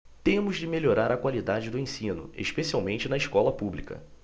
temos de melhorar a qualidade do ensino especialmente na escola pública